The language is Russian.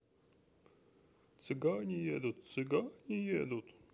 цыгане едут цыгане едут